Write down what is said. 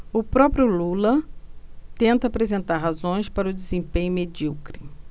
o próprio lula tenta apresentar razões para o desempenho medíocre